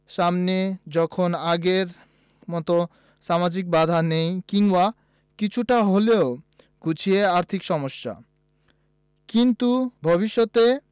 সামনে এখন আগের মতো সামাজিক বাধা নেই কিংবা কিছুটা হলেও ঘুচেছে আর্থিক সমস্যা কিন্তু ভবিষ্যতে